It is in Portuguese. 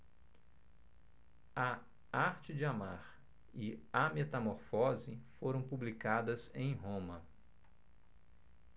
a arte de amar e a metamorfose foram publicadas em roma